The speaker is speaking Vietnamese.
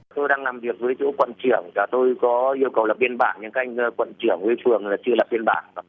tôi đang làm việc với chỗ quận chiểng là tôi có yêu cầu lập biên bản nhưng các anh quận chiểng với phường là chưa lập biên bản và